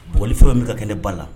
Bɔgɔli fɛn bɛ ka kɛ ne ba la